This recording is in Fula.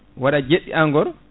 waɗa jeeɗiɗi encore